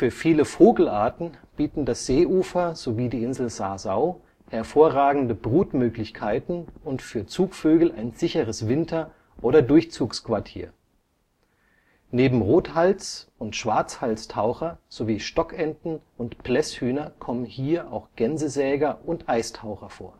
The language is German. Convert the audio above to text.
viele Vogelarten bieten das Seeufer sowie die Insel Sassau hervorragende Brutmöglichkeiten und für Zugvögel ein sicheres Winter - oder Durchzugsquartier. Neben Rothals - und Schwarzhalstaucher sowie Stockenten und Blesshühner kommen hier auch Gänsesäger und Eistaucher vor